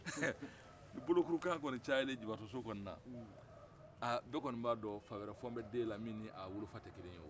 bolokurukan kɔni cayalen jigibagatɔso kɔni na bɛɛ kɔni b'a ko fa wɛrɛ bɔlen bɛ den min n'a wolonfa tɛ kelen